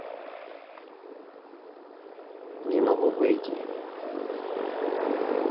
не могу выйти